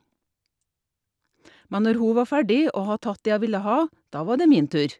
Men når hun var ferdig og hadde tatt det hun ville ha, da var det min tur.